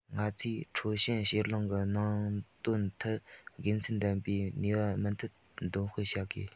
ང ཚོས ཁྲའོ ཞན ཕྱེད གླིང གི གནད དོན ཐད དགེ མཚན ལྡན པའི ནུས པ མུ མཐུད འདོན སྤེལ བྱ དགོས